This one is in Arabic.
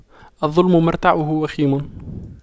الظلم مرتعه وخيم